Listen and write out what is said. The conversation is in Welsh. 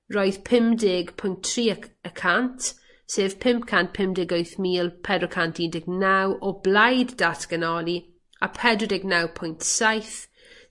roedd pumdeg pwynt tri y c- y cant sef pum cant pumdeg wyth mil pedwar cant un deg naw o blaid datganoli, a pedwar deg naw pwynt saith